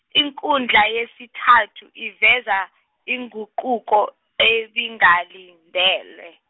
inkundla yesithathu iveza inguquko ebingalindelwe.